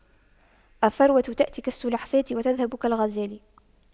الثروة تأتي كالسلحفاة وتذهب كالغزال